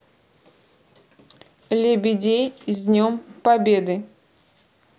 лебедей с днем победы